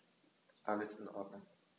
Alles in Ordnung.